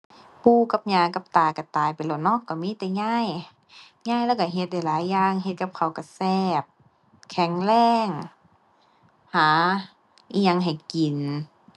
ปู่กับย่ากับตาก็ตายไปแล้วเนาะ ก็มีแต่ยาย ยายเลาก็เฮ็ดได้หลายอย่างเฮ็ดกับข้าวก็แซ่บ แข็งแรง หาอิหยังให้กิน